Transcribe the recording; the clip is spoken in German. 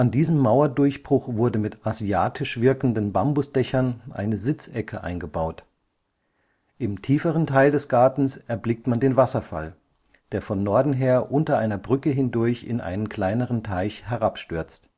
diesem Mauerdurchbruch wurde mit asiatisch wirkenden Bambusdächern eine Sitzecke eingebaut. Im tieferen Teil des Gartens erblickt man den Wasserfall, der von Norden her unter einer Brücke hindurch in einen kleineren Teich herabstürzt